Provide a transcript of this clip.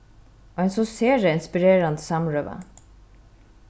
ein so sera inspirerandi samrøða